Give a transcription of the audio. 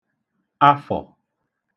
afọ̀